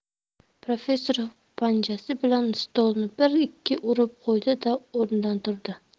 professor panjasi bilan stolni bir ikki urib qo'ydi da o'rnidan turdi